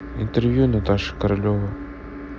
интервью наташа королева